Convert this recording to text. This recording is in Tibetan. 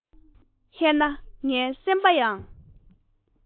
ཧད ན ངའི སེམས པ ཡང